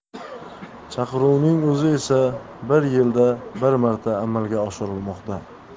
chaqiruvning o'zi esa bir yilda bir marta amalga oshirilmoqda